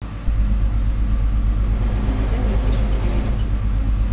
сделай тише телевизор